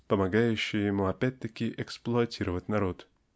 помогающие ему опять-таки эксплуатировать народ.